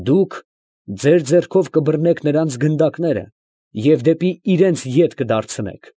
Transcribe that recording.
Դուք ձեր ձեռքով կբռնեք նրանց գնդակները և դեպի իրանց ետ կդարձնեք։